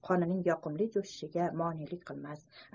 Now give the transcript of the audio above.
qonining yoqimli jo'shishiga monelik qilmas